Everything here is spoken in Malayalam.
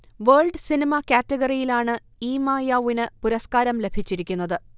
വേൾഡ് സിനിമ കാറ്റഗറിയിലാണ് ഈമയൗവിന് പുരസ്കാരം ലഭിച്ചിരിക്കുന്നത്